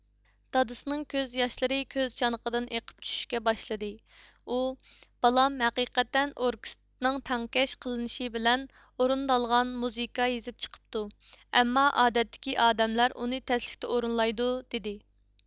دادىسىنىڭ كۆز ياشلىرى كۆز چانىقىدىن ئېقىپ چۈشۈشكە باشلىدى ئۇ بالام ھەقىقەتەن ئوركىستدنىڭ تەڭكەش قىلىنىشى بىلەن ئورۇندالغان مۇزىكا يىزىپ چىقىپتۇ ئەمما ئادەتتكى ئادەملەر ئۇنى تەسلىكتە ئورۇنلايدۇ دېدى